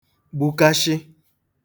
gbùkashị̄